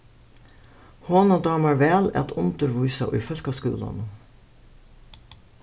honum dámar væl at undirvísa í fólkaskúlanum